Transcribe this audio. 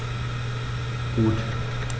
Gut.